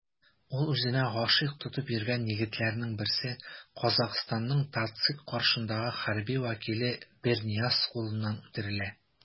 Ул үзенә гашыйк тотып йөргән егетләрнең берсе - Казахстанның ТатЦИК каршындагы хәрби вәкиле Бернияз кулыннан үтерелә.